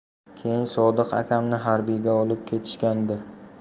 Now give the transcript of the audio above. keyin sodiq akamni harbiyga olib ketishgan edi